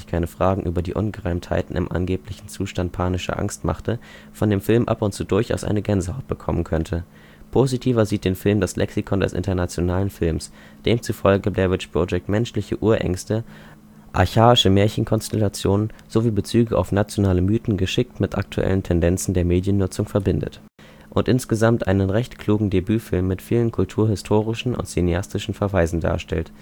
Fragen über die Ungereimtheiten im angeblichen „ Zustand panischer Angst “machte, von dem Film „ ab und zu durchaus eine Gänsehaut bekommen “könnte. Positiver sieht den Film das Lexikon des internationalen Films, demzufolge Blair Witch Project „ menschliche Urängste, archaische Märchen-Konstellationen sowie Bezüge auf nationale Mythen geschickt mit aktuellen Tendenzen der Mediennutzung verbindet “und insgesamt einen „ recht klugen Debütfilm mit vielen kulturhistorischen und cineastischen Verweisen “darstellt